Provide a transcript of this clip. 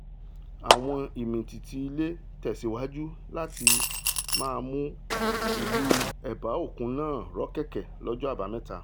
Àwọn ìmìtìtì-ilẹ̀ tẹ̀síwájú láti máa mú ìlú ẹ̀bá òkun náà rọ́kẹ̀kẹ̀ lọ́jọ́ Àbámẹ́ta.